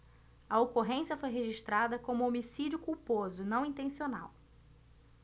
a ocorrência foi registrada como homicídio culposo não intencional